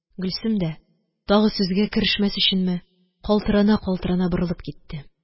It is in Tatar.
Гөлсем дә, тагы сүзгә керешмәс өченме, калтырана-калтырана борылып китте.